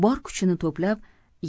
bor kuchini to'plab